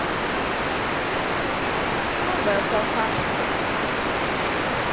новая какашка